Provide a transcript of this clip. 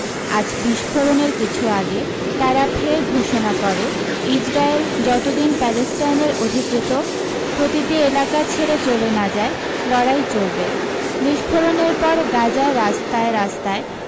আজ বিস্ফোরণের কিছু আগে তারা ফের ঘোষণা করে ইজরায়েল যত দিন প্যালেস্তাইনের অধিকৃত প্রতিটি এলাকা ছেড়ে চলে না যায় লড়াই চলবে বিস্ফোরণের পর গাজার রাস্তায় রাস্তায়